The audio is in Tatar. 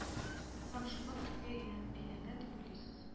Һәм шуннан кемгә әйләнгән дип уйлыйсыз